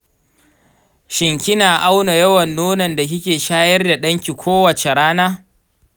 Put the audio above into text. shin kina auna yawan nonon da kike shayar da ɗan ki kowace rana?